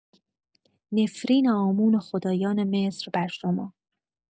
نفرین عامون و خدایان مصر بر شما